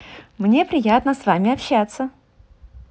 мне приятно с вами общаться